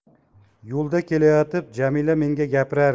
yo'lda kelayotib jamila menga gapirardi